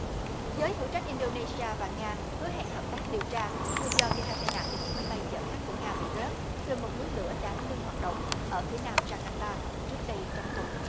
giới hữu trách in đô nê xi a và nga hứa hẹn hợp tác điều tra nguyên do gây ra tai nạn cho chiếc máy bay chở khách của nga bị rớt gần một núi lửa đã ngưng hoạt động ở phía nam da ca ta trước đây trong tuần